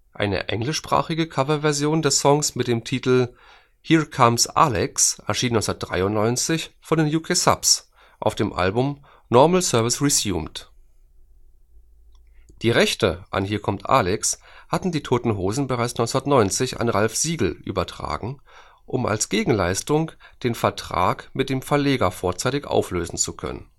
Eine englischsprachige Coverversion des Songs mit dem Titel Here Comes Alex erschien 1993 von den UK Subs auf dem Album Normal Service Resumed. Die Rechte an Hier kommt Alex hatten die Toten Hosen bereits 1990 an Ralph Siegel übertragen, um als Gegenleistung den Vertrag mit dem Verleger vorzeitig auflösen zu können